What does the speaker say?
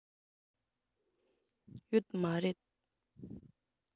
ཡོད མ རེད